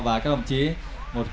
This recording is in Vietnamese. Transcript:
và các đồng chí một